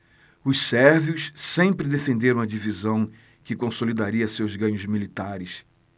os sérvios sempre defenderam a divisão que consolidaria seus ganhos militares